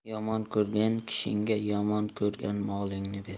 yomon ko'rgan kishingga yomon ko'rgan molingni ber